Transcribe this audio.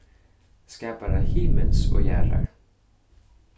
skapara himins og jarðar